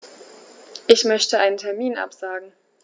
Ich möchte einen Termin absagen.